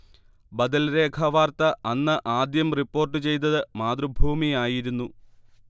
ബദൽരേഖാ വാർത്ത അന്ന് ആദ്യം റിപ്പോർട്ടുചെയ്തത് മാതൃഭൂമിയായിരുന്നു